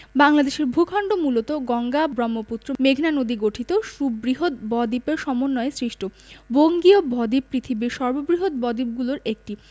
বাংলাদেশের ভূখন্ড মূলত গঙ্গা ব্রহ্মপুত্র মেঘনা নদীগঠিত সুবৃহৎ বদ্বীপের সমন্বয়ে সৃষ্ট বঙ্গীয় বদ্বীপ পৃথিবীর সর্ববৃহৎ বদ্বীপগুলোর একটি